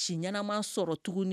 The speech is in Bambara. Si ɲɛnama sɔrɔ tuguni